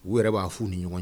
U yɛrɛ b'a fu ni ɲɔgɔn